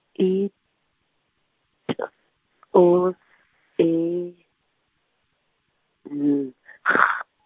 I, T, O , E, N , G.